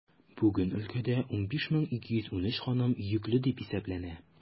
Бүген өлкәдә 15213 ханым йөкле дип исәпләнә.